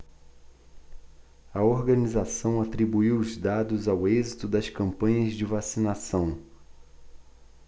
a organização atribuiu os dados ao êxito das campanhas de vacinação